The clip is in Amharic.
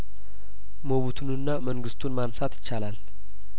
ሞቡቱንና መንግስቱን ማንሳት ይቻላል